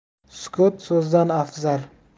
sukut so'zdan afzal